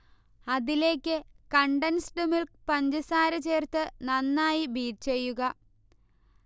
അതിലേക്ക് condensed milk, പഞ്ചസാര ചേർത്ത് നന്നായി ബീറ്റ് ചെയ്യുക